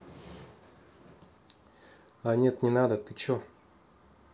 а нет не надо ты че